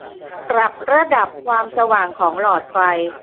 ปรับระดับความสว่างของหลอดไฟ